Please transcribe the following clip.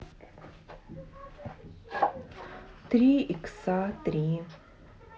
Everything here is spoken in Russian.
три икса три